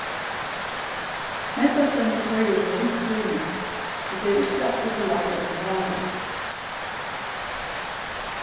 nógvastaðni í føroyum er ringt sýni og tað er ikki altíð so lætt at yvirhála